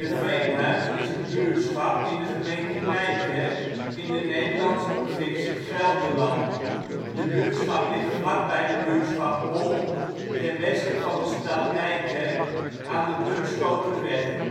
Veenhuis is een buurtschap in de gemeente Nijkerk, in de Nederlandse provincie Gelderland. De buurtschap ligt vlakbij de buurtschap Holk, ten westen van de stad Nijkerk, aan de Bunschoterweg